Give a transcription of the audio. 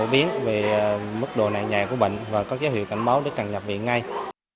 phổ biến về mức độ nặng nhẹ của bệnh và các dấu hiệu cảnh báo nếu cần nhập viện ngay